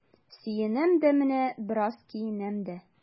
Сөенәм дә менә, бераз көенәм дә.